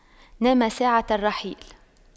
نام ساعة الرحيل